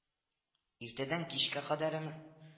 — иртәдән кичкә кадәреме